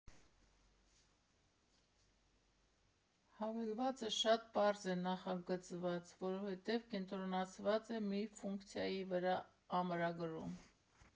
Հավելվածը շատ պարզ է նախագծված, որովհետև կենտրոնացված է մի ֆունկցիայի վրա՝ ամրագրում։